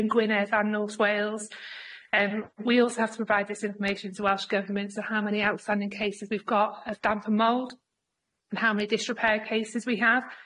in Gwynedd and North Wales and we also have to provide this information to Welsh Governments on how many outstanding cases we've got of damp and mould, and how many dish repair cases we have.